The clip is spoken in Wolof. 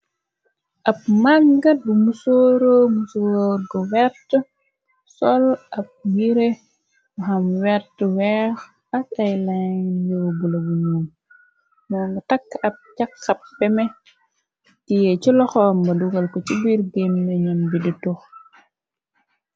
Ab maggat bu musooro musor gu werte sol ab mire muhamwerte weex ak airline yëogula bu noom ño nga takk ab cax-xab beme tie ci loxom ba dugal ko ci biir gémme ñam bi di tux.